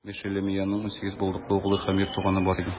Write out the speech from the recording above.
Мешелемиянең унсигез булдыклы углы һәм ир туганы бар иде.